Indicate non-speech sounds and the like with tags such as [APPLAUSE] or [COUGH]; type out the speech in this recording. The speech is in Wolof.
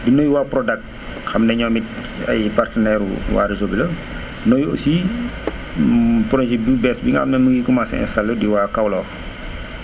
di nuyu waa Prodac [NOISE] xam ne ñoom it si ay partenaire u waa réseau bi la [NOISE] di nuyu aussi [NOISE] [HESITATION] projet bu bees bi nga xam ne mu ngi commencé installé di waa Kawolor [NOISE]